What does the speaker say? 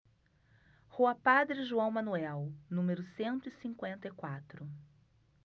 rua padre joão manuel número cento e cinquenta e quatro